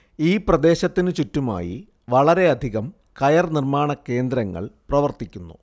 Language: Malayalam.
ഈ പ്രദേശത്തിനു ചുറ്റുമായി വളരെയധികം കയർ നിർമ്മാണകേന്ദ്രങ്ങൾ പ്രവർത്തിക്കുന്നു